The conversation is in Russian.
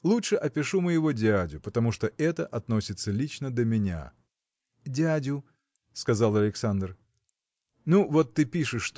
Лучше опишу моего дядю, потому что это относится лично до меня. – Дядю, – сказал Александр. – Ну вот ты пишешь